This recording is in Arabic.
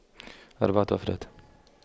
أربعة افراد